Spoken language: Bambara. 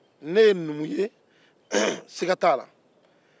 ne ye numu ye siga t'a la